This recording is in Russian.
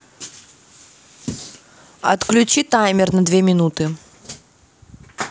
отключи таймер на две минуты